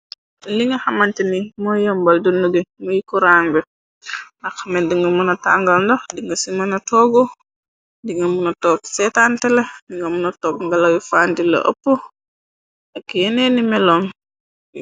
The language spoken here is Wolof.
Linga xamante ni mooy yombal dund gi muy kurange nda xame. Di nga muna tàngalndox dinga ci mëna togg. Di nga muna toog seetantele dinga mëna togg ngalay fanti la ëpp ak yeneeni meloom.